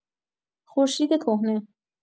خورشید کهنه